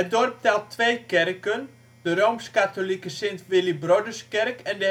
dorp telt twee kerken: de Rooms-katholieke Sint-Willibrorduskerk en